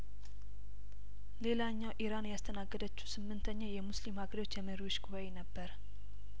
ሌላኛው ኢራን ያስተናገደችው ስምንተኛው የሙስሊም ሀገሮች የመሪዎች ጉባኤ ነበረ